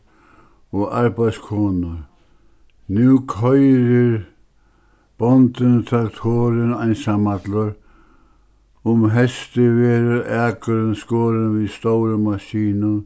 og arbeiðskonur nú koyrir bóndin traktorin einsamallur um heystið verður akurin skorin við stórum maskinum